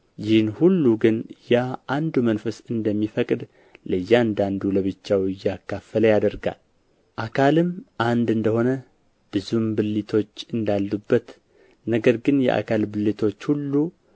ይህን ሁሉ ግን ያ አንዱ መንፈስ እንደሚፈቅድ ለእያንዳንዱ ለብቻው እያካፈለ ያደርጋል አካልም አንድ እንደ ሆነ ብዙም ብልቶች እንዳሉበት ነገር ግን የአካል ብልቶች ሁሉ